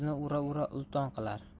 ura ura ulton qilar